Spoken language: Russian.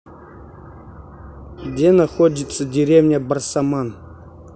где находится деревня барсаман